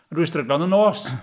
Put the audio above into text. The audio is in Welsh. Dwi'n stryglo'n y nos.